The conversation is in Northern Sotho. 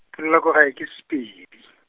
ke la ya ko gae ke Sepedi.